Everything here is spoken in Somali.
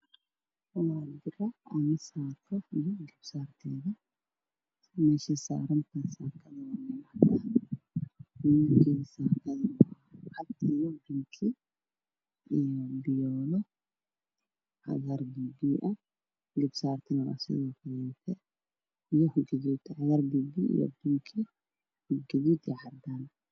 Waa dirac ama saako iyo garbasaar teeda, meesha ay saaran tahay waa meel cadaan ah midabkeedu waa cadaan iyo bingi, fiyool iyo cagaar garbasaartuna waa sidoo kale cagaar biyo biyo ah iyo bingi.